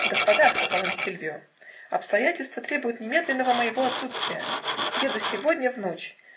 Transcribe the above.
"Господа, -- сказал им Сильвио, -- обстоятельства требуют немедленного моего отсутствия еду сегодня в ночь